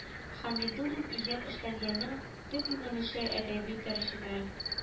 Хәмидуллин иҗат эшчәнлегенең төп юнәлеше әдәби тәрҗемә